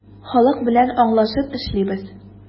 Халык белән аңлашып эшлибез.